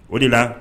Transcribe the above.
O de la